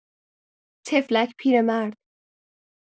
طفلک پیرمرد